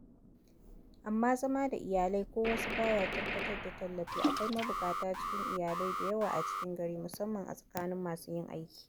Amma zama da iyalai ko wasu ba ya tabbatar da tallafi. Akwai mabuƙata cikin iyalai da yawa a cikin gari, musamman a tsakanin masu yin aiki.